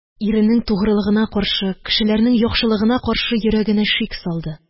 Иренең тугрылыгына каршы, кешеләрнең яхшылыгына каршы йөрәгенә шик салды.